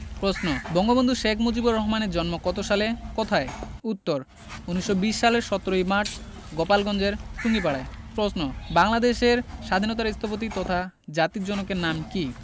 প্রশ্ন বঙ্গবন্ধু শেখ মুজিবুর রহমানের জন্ম কত সালে কোথায় উত্তর ১৯২০ সালের ১৭ মার্চ গোপালগঞ্জের টুঙ্গিপাড়ায় প্রশ্ন বাংলাদেশের স্বাধীনতার স্থপতি তথা জাতির জনকের নাম কী